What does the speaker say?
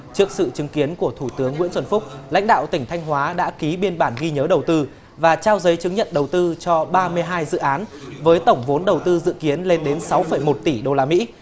trước sự chứng kiến của thủ tướng nguyễn xuân phúc lãnh đạo tỉnh thanh hóa đã ký biên bản ghi nhớ đầu tư và trao giấy chứng nhận đầu tư cho ba mươi hai dự án với tổng vốn đầu tư dự kiến lên đến sáu phẩy một tỷ đô la mỹ